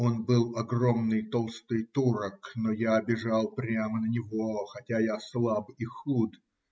Он был огромный толстый турок, но я бежал прямо на него, хотя я слаб и худ.